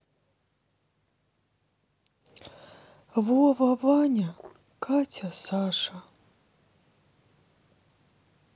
вова ваня катя саша